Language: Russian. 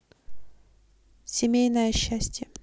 семейное счастье